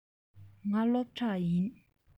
ང སློབ ཕྲུག ཡིན